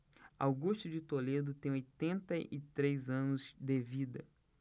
augusto de toledo tem oitenta e três anos de vida